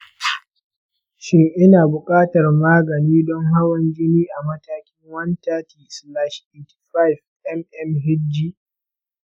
shin, ina buƙatar magani don hawan jini na matakin 130/85 mmhg?